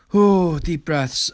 Deep breaths.